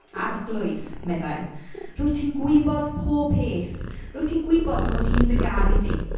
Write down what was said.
Arglwydd meddai rwyt ti'n gwybod popeth rwyt ti'n gwybod mod i'n dy garu di.